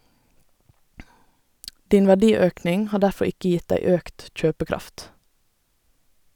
Din verdiøkning har derfor ikke gitt deg økt kjøpekraft.